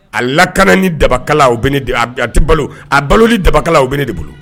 A lakana ni dabakala a tɛ balo a balo ni dabakala aw bɛ ne de bolo